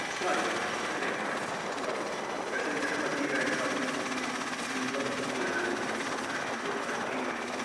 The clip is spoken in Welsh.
Sky e- er enghraifft t'wbo' ww- allen i ddychmygu fe'n ca'l 'i 'i 'i 'i lyncu lan ac yn diflannu